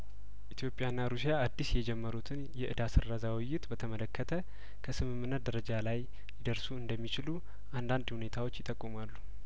ኢትዮጵያና ሩሲያአዲስ የጀመሩትን የእዳ ስረዛ ውይይት በተመለከተ ከስምምነት ደረጃ ላይ ሊ ደርሱ እንደሚችሉ አንዳንድ ሁኔታዎች ይጠቁማሉ